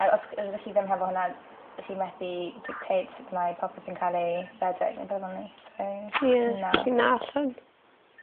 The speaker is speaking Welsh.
a os yr ydych chi ddim hefo 'na chi methu dictate sut mae popeth yn ca'l ei rhedeg. Dwi'n feddwl 'ny so... Ie. ...na. Felly na allwn.